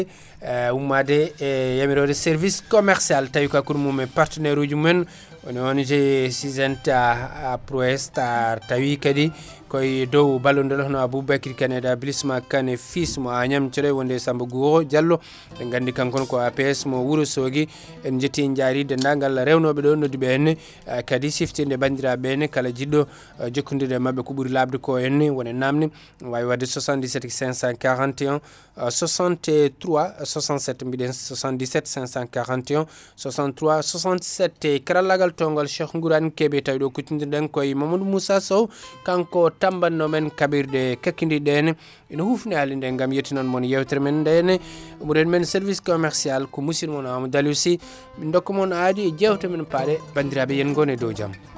ummade e yamirore service commerciale: fra tawi ko hakkude mum e partenaire ruji mumen ina wonde sygenta Aprostar tawi kaadi koye dow ballodiral hono Aboubacry Kane établissement Kane et fils mo Agname Thiodaye ina wonde Samba Guro Diallo eɗen gandi kankone ko APS mo Wourossogui en jetti en jaari dennagal rewnoɓe ɗo nodduɓe ɓe henna kaadi siftinde bandiraɓe henna kala jiɗɗo jokkodirde e mabɓe ko ɓuri labde ko henna wone namde ne wawi waddi 775416367 biɗen 775416367 karallagal tawngal Cheikh Gurane Kebe tawi ɗo kuccidir ɗen koy Mamadou Moussa Sow kanko tamban no men kaɓirɗe kakidiɗe ɗe henna ene hufni halirde gam yettinande mon yewtere men nde henna ɓurée :framen service: fra commerciale: fra ko musiɗɗo mon Amadou Alio Sy min dokka mon aadi e jewte paaɗe bandiraɓe hen gone e dow jaam